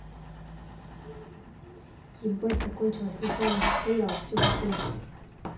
ебать закончилось на паузе стояла все закончилось